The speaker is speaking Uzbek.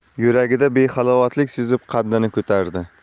yuragida behalavotlik sezib qaddini ko'tardi